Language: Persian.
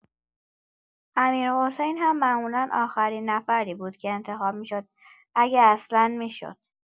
امیرحسین هم معمولا آخرین نفری بود که انتخاب می‌شد، اگه اصلا می‌شد.